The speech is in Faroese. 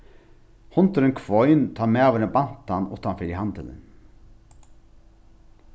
hundurin hvein tá maðurin bant hann uttan fyri handilin